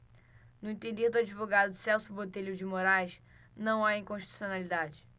no entender do advogado celso botelho de moraes não há inconstitucionalidade